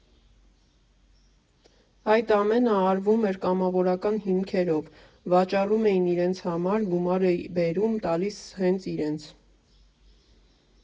Այդ ամենը արվում էր կամավորական հիմքերով, վաճառում էին իրենց համար, գումարը բերում տալիս հենց իրենց։